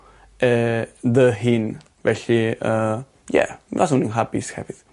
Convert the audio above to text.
yy dy hun felly yy ie faswn i'n hapus hefyd.